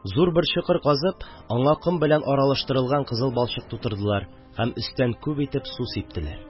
Ур бер чокыр казып, аңа ком аралаш кызыл балчык тутырдылар һәм өстән күп итеп су сиптеләр.